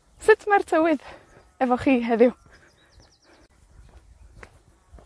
Sut mae'r tywydd efo chi heddiw?